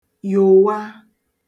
yòwa